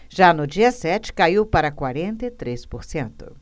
já no dia sete caiu para quarenta e três por cento